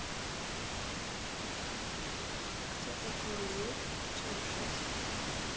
кто такой мир чаушеску